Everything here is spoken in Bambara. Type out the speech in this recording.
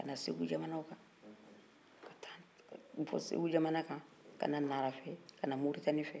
ka bɔ segu jamana kan ka na nara fɛ ka na moritani fɛ fo ka na don kita kɔnɔna fɛ